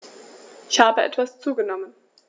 Ich habe etwas zugenommen